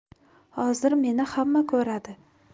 hozir meni hamma ko'radi